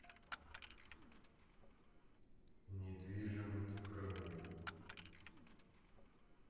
недвижимость в крыму